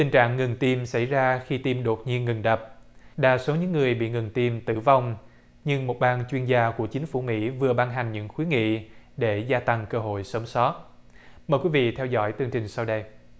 tình trạng ngừng tim xảy ra khi tìm đột nhiên ngừng đập đa số những người bị ngừng tim tử vong nhưng một ban chuyên gia của chính phủ mỹ vừa ban hành những khuyến nghị để gia tăng cơ hội sống sót mời quý vị theo dõi tường trình sau đây